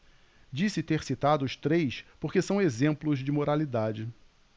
disse ter citado os três porque são exemplos de moralidade